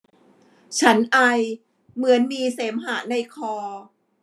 ฉันไอเหมือนมีเสมหะในคอ